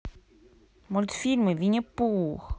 мультфильмы винни пух